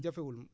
jafewul